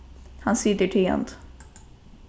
hann situr tigandi